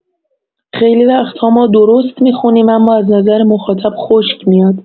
خیلی وقت‌ها ما درست می‌خونیم اما از نظر مخاطب خشک میاد.